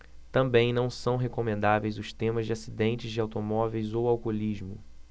também não são recomendáveis os temas de acidentes de automóveis ou alcoolismo